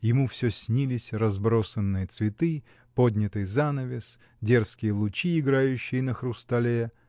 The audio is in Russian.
Ему всё снились разбросанные цветы, поднятый занавес, дерзкие лучи, играющие на хрустале.